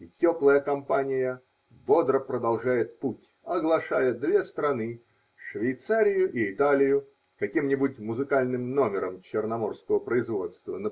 И теплая компания бодро продолжает путь, оглашая две страны -- Швейцарию и Италию -- каким-нибудь музыкальным номером черноморского производства.